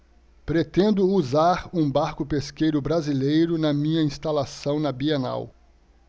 pretendo usar um barco pesqueiro brasileiro na minha instalação na bienal